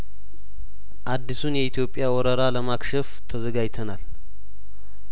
አዲሱን የኢትዮጵያ ወረራ ለማክሸፍ ተዘጋጅተናል